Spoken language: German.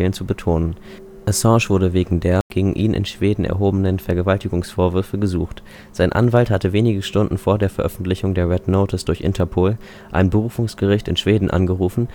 zu betonen. Assange wurde wegen der gegen ihn in Schweden erhobenen Vergewaltigungsvorwürfe gesucht. Sein Anwalt hatte wenige Stunden vor der Veröffentlichung der „ Red Notice “durch Interpol ein Berufungsgericht in Schweden angerufen